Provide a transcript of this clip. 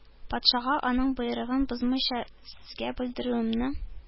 Патшага аның боерыгын бозмыйча сезгә белдерүемне